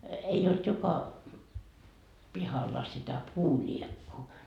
ei ollut joka pihalla sitä puuliekkua